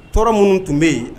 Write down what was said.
Tɔɔrɔ minnu tun be ye